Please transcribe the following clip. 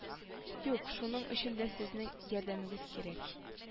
Юк шуның өчен дә сезнең ярдәмегез кирәк